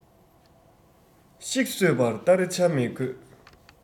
ཤིག གསོད པར སྟ རེ འཕྱར མི དགོས